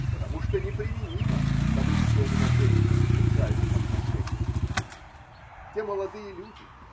Потому что неприменима таблица умножения в социальных отношениях. Те молодые люди.